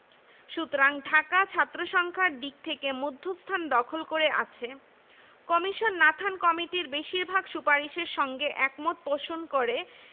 সুতরাং ঢাকা ছাত্রসংখ্যার দিক থেকে মধ্যস্থান দখল করে আছে কমিশন নাথান কমিটির বেশির ভাগ সুপারিশের সঙ্গে একমত পোষণ করে